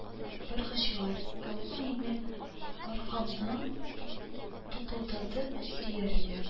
Боргычлар, ә ул мине аркамнан тупылдатып сөяр иде